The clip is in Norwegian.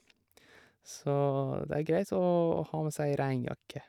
Så det er greit å ha med seg regnjakke.